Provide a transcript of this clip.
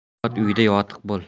yot uyida yotiq bo'l